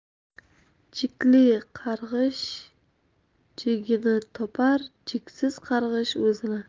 jikli qarg'ish jigini topar jiksiz qarg'ish o'zini